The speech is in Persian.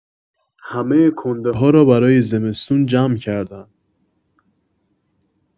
همه کنده‌ها را برای زمستون جمع کردم